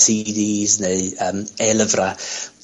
see dees neu yym e-lyfra',